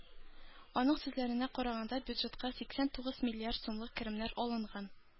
Аның сүзләренә караганда, бюджетка сиксән тугыз миллиард сумлык керемнәр алынган.